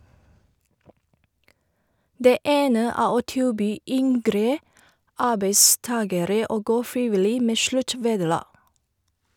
Det ene er å tilby yngre arbeidstagere å gå frivillig med sluttvederlag.